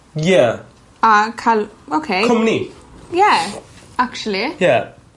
Ie. A ca'l oce... Cwmni. Ie actually. Ie.